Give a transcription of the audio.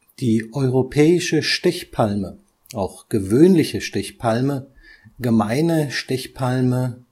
Die Europäische Stechpalme (Ilex aquifolium), auch Gewöhnliche Stechpalme, Gemeine Stechpalme